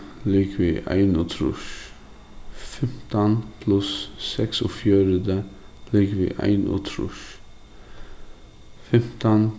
ligvið einogtrýss fimtan pluss seksogfjøruti ligvið einogtrýss fimtan